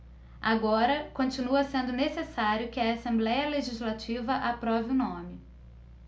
agora continua sendo necessário que a assembléia legislativa aprove o nome